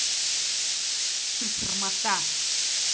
ты срамота